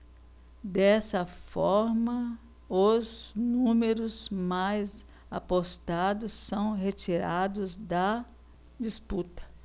dessa forma os números mais apostados são retirados da disputa